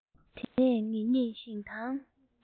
དེ ནས ངེད གཉིས ཞིང ཐང